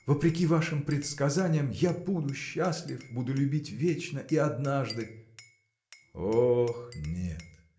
– вопреки вашим предсказаниям я буду счастлив буду любить вечно и однажды. – Ох, нет!